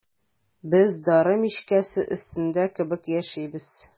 Без дары мичкәсе өстендә кебек яшибез.